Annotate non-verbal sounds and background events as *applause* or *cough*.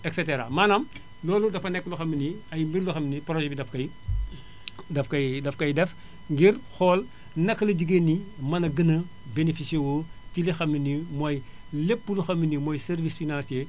et cetera maamaam *noise* loolu dafa nekk loo xam ne nii ay mbir yoo xam ne nii projet bi daf koy *smacks lips* daf koy daf koy def ngir xool naka la jigéen ñi mën a gën a bénéficié woo ci li xam ne mooy lépp loo xam ne nii mooy service financier